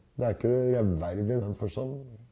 det er ikke jevnverdig den forstand.